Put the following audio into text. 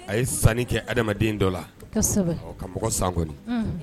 A ye sanni kɛ adamaden dɔ la ka mɔgɔ san kɔni